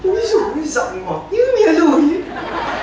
úi giời ôi giọng như mía lùi í